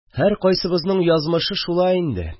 – һәркайсыбызның язмышы шулай инде!